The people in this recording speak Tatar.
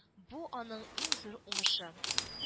Бу – аның иң зур уңышы